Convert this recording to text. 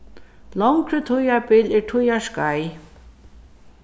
longri tíðarbil er tíðarskeið